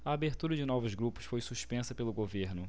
a abertura de novos grupos foi suspensa pelo governo